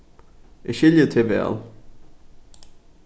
eg skilji teg væl